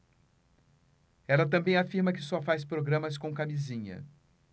ela também afirma que só faz programas com camisinha